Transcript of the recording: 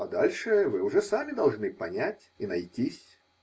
А дальше вы уже сами должны понять и найтись.